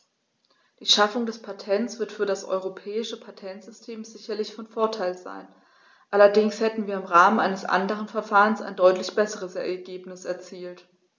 Die Schaffung des Patents wird für das europäische Patentsystem sicherlich von Vorteil sein, allerdings hätten wir im Rahmen eines anderen Verfahrens ein deutlich besseres Ergebnis erzielt.